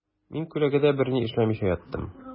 Мин күләгәдә берни эшләмичә яттым.